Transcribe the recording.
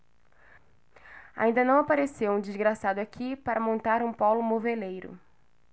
ainda não apareceu um desgraçado aqui para montar um pólo moveleiro